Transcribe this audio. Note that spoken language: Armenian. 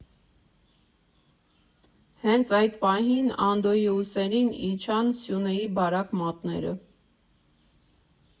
Հենց այդ պահին Անդոյի ուսերին իջան Սյունեի բարակ մատները։